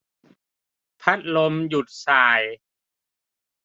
พัดลมหยุดส่าย